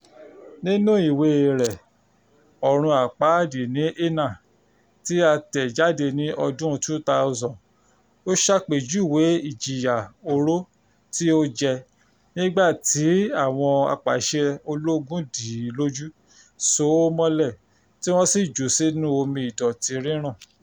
Nínú ìwée rẹ̀, “Ọ̀run-àpáàdì ní Inal“, tí a tẹ̀ jáde ní ọdún 2000, ó ṣàpèjúwe ìjìyà-oró tí ó jẹ, nígbà tí àwọn apàṣẹ ológun dì í lójú, so ó mọ́lẹ̀, tí wọ́n sì jù ú sínú omi ìdọ̀tí rírùn.